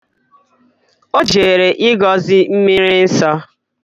O jere ịgọzi mmiri nsọ.